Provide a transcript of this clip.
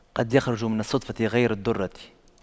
قد يخرج من الصدفة غير الدُّرَّة